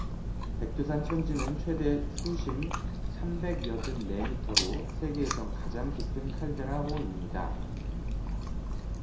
백두산 천지는 최대 수심 삼백 여든 네 미터로 세계에서 가장 깊은 칼데라 호입니다